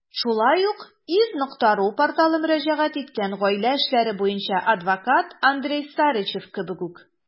Шулай ук iz.ru порталы мөрәҗәгать иткән гаилә эшләре буенча адвокат Андрей Сарычев кебек үк.